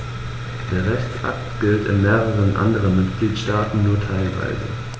Der Rechtsakt gilt in mehreren anderen Mitgliedstaaten nur teilweise.